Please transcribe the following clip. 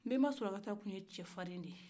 nbenba sulakata kun ye cɛ farin de ye